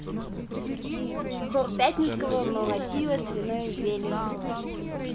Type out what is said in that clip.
хор пятницкого молотила свиной велес